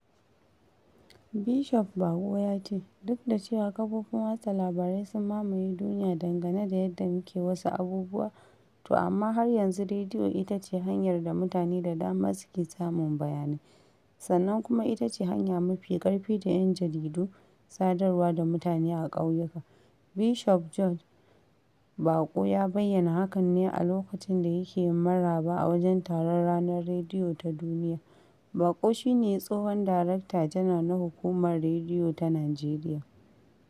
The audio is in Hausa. Bishop Bako ya ce, "Duka da cewa kafofin watsa labarai sun mamaye duniya dangane da yadda muke wasu abubuwa, to amma har yanzu rediyo ita ce hanyar da mutane da dama suke samun bayanai, sannan kuma ita ce hanya mafi ƙarfi da 'yan jaridu sadarwa da mutane a ƙauyuka..." Bishop George Bako ya bayyana hakan ne a lokacin da yake maraba a wajen taron Ranar Rediyo Ta Duniya. Bako shi ne tsohon Darakta Janar na Hukumar Rediyo Ta Nijeriya.